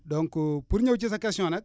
donc pour ñëw ci sa question nag